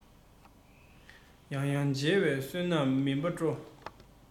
ཡང ཡང མཇལ བའི བསོད ནམས སྨིན པས སྤྲོ